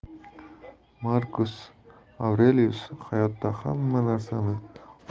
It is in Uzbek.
markus avrelius hayotdan hamma narsani